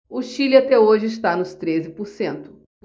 o chile até hoje está nos treze por cento